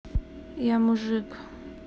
я мужик